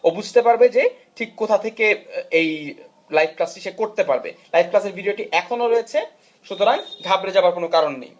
বুঝতে পারবে যে ঠিক কোথা থেকে এই লাইভ ক্লাস টি সে করতে পারবে লাইভ ক্লাসের ভিডিওটি এখনো রয়েছে সুতরাং ঘাবড়ে যাবার কোনো কারণ নেই